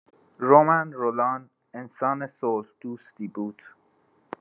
رومن رولان انسان صلح‌دوستی بود.